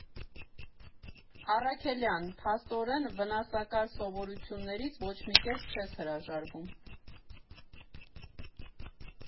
֊ Առաքելյան, փաստորեն վնասակար սովորություններից ոչ մի կերպ չես հրաժարվում։